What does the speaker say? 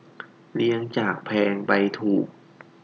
เรียงจากแพงไปถูก